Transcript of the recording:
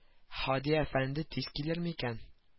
Һади әфәнде тиз килерме икән